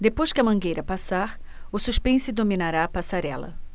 depois que a mangueira passar o suspense dominará a passarela